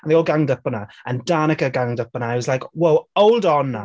and they all ganged up on her, and Danica ganged up on her, I was like, whoa, hold on now...